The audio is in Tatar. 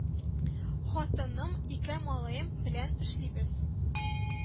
Хатыным, ике малаем белән эшлибез